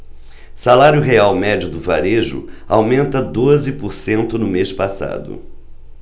salário real médio do varejo aumenta doze por cento no mês passado